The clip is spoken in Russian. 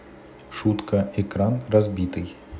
шутка экран разбитый